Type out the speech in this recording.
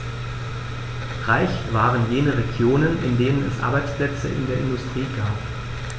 Reich waren jene Regionen, in denen es Arbeitsplätze in der Industrie gab.